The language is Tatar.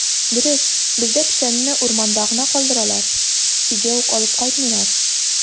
Дөрес, бездә печәнне урманда гына калдыралар, өйгә үк алып кайтмыйлар.